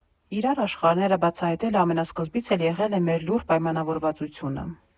Իրար աշխարհները բացահայտելը ամենասկզբից էլ եղել է մեր լուռ պայանավորվածությունը։